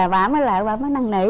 bà mới lại bà mới năm nỉ